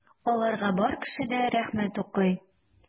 Аларга бар кеше дә рәхмәт укый.